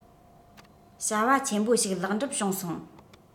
བྱ བ ཆེན པོ ཞིག ལེགས འགྲུབ བྱུང སོང